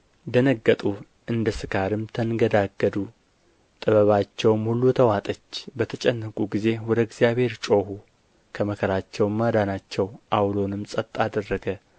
ደነገጡ እንደ ስካርም ተንገደገዱ ጥበባቸውም ሁሉ ተዋጠች በተጨነቁ ጊዜ ወደ እግዚአብሔር ጮኹ ከመከራቸውም አዳናቸው ዐውሎንም ጸጥ አደረገ